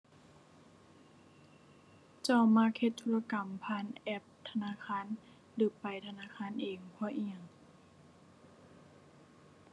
เจ้ามักเฮ็ดธุรกรรมผ่านแอปธนาคารหรือไปธนาคารเอง เพราะอิหยัง